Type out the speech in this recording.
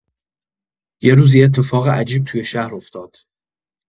یه روز، یه اتفاق عجیب توی شهر افتاد.